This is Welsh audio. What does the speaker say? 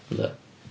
Yndw